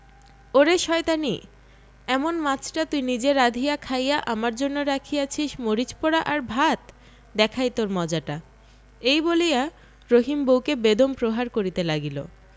ওরে শয়তানী এমন মাছটা তুই নিজে রাধিয়া খাইয়া আমার জন্য রাখিয়াছিস্ মরিচ পোড়া আর ভাত দেখাই তোর মজাটা এই বলিয়া রহিম বউকে বেদম প্রহার করিতে লাগিল